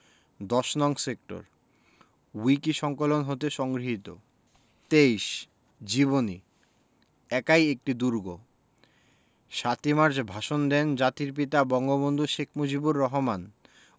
১০নং সেক্টর উইকিসংকলন হতে সংগৃহীত ২৩ জীবনী একাই একটি দুর্গ ৭ই মার্চ ভাষণ দেন জাতির পিতা বঙ্গবন্ধু শেখ মুজিবুর রহমান